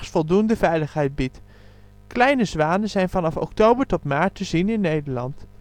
voldoende veiligheid biedt. Kleine zwanen zijn vanaf oktober tot maart te zien in Nederland